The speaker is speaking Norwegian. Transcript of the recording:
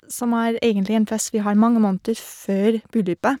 Som er egentlig en fest vi har mange måneder før bryllupet.